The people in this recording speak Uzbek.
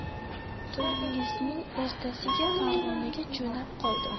to'yingizning ertasiga farg'onaga jo'nab qoldim